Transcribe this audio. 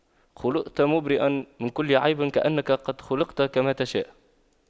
خلقت مُبَرَّأً من كل عيب كأنك قد خُلقْتَ كما تشاء